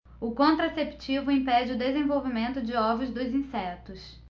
o contraceptivo impede o desenvolvimento de ovos dos insetos